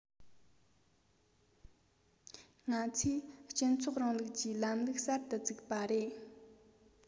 ང ཚོས སྤྱི ཚོགས རིང ལུགས ཀྱི ལམ ལུགས གསར དུ བཙུགས པ རེད